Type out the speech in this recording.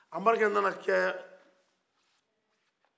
anbarike nana kɛ